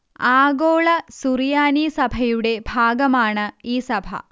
ആഗോള സുറിയാനി സഭയുടെ ഭാഗമാണ് ഈ സഭ